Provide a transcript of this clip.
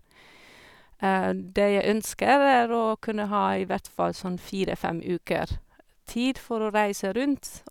Det jeg ønsker er å kunne ha i hvert fall sånn fire fem uker tid for å reise rundt.